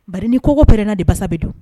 Ba n ni koko pɛna de basabe don